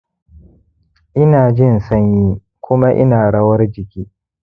ina jin sanyi kuma ina rawar jiki